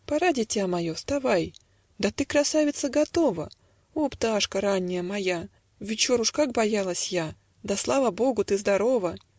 "Пора, дитя мое, вставай: Да ты, красавица, готова! О пташка ранняя моя! Вечор уж как боялась я! Да, слава богу, ты здорова!